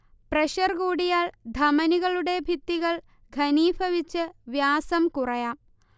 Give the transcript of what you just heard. pressure കൂടിയാൽ ധമനികളുടെ ഭിത്തികൾ ഘനീഭവിച്ചു വ്യാസം കുറയാം